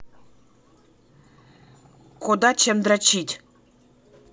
кода чем дрочить